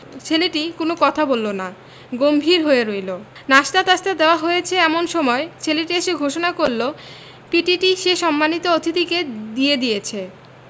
ছেলেটি কোন কথা বলল না গম্ভীর হয়ে রইল নাশতাটাসতা দেয়া হয়েছে এমন সময় ছেলেটি এসে ঘোষণা করল পিটিটি সে সম্মানিত অতিথিকে দিয়ে দিয়েছে